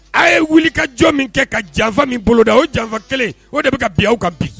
A ye wuli ka jɔn min kɛ ka janfa min bolo da o janfa kelen, o de bɛ ka bin aw kan bi.